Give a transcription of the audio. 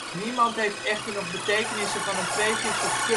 Niemand heeft echter nog betekenissen van een prefix of